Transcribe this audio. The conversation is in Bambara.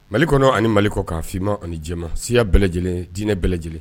Mali kɔnɔ ani mali kɔ kan, fima ani jɛma, siya bɛɛ lajɛlen, diinɛ bɛɛ lajɛlen